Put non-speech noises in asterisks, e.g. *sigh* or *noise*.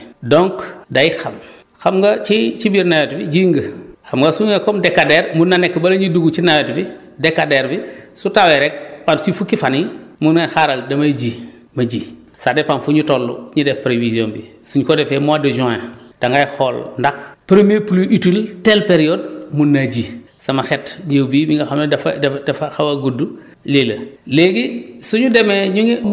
ñun ñu ngi ci biir nawet bi donc day xam xam nga ci ci biir nawet bi jiw nga xam nga su ñu nee comme décadaire mun na nekk bala ñuy dugg ci nawet bi décadaire bi *breath* su tawee rek par si fukki fan yi mu ne xaaral damay ji ma ji ça dépend fu ñu toll ñu def prévision bi su ñu ko defee mois de juin da ngay xool ndax prémière pluie utile telle période mun na ji sama xeet jiw bii bi nga xam dafa dafa xaw a gudd *breath* lii la